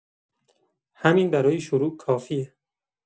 همین برای شروع کافیه.